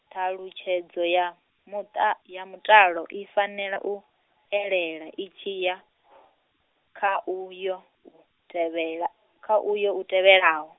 ṱhalutshedzo ya muṱa, ya muṱalo i fanela u, elela itshi ya , kha uyo , u tevhela, kha uyo u tevhelaho.